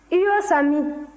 i y'o san min